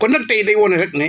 kon nag tey dañu wane rek ne